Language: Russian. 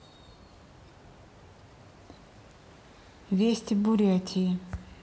вести бурятии